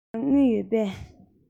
ཁྱེད རང ལ དངུལ ཡོད པས